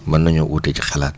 mën nañoo uute ci xalaat